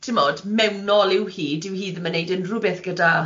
Timod, mewnol yw hyd, dyw hyd ddim yn neud unrhywbeth gyda